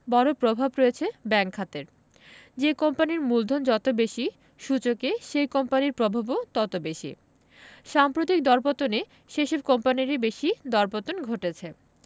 বড় প্রভাব রয়েছে ব্যাংক খাতের যে কোম্পানির মূলধন যত বেশি সূচকে সেই কোম্পানির প্রভাবও তত বেশি সাম্প্রতিক দরপতনে সেসব কোম্পানিরই বেশি দরপতন ঘটেছে